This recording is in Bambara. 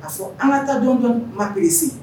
Ka'a fɔ ala ta jɔn ka makisi